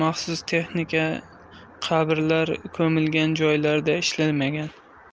maxsus texnika qabrlar ko'milgan joylarda ishlamagan